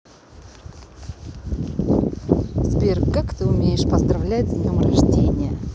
сбер как ты умеешь поздравлять с днем рождения